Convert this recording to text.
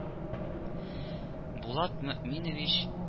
Булат Мөэминович